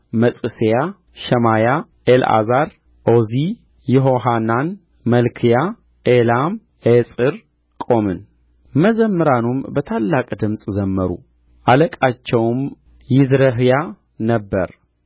መዕሤያ ሸማያ አልዓዛር ኦዚ ይሆሐናን መልክያ ኤላም ኤጽር ቆምን መዘምራኑም በታላቅ ድምፅ ዘመሩ አለቃቸውም ይዝረሕያ ነበረ